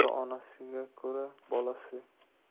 ota onasiga ko'ra bolasi